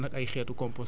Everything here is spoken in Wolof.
mooy indirecte bi quoi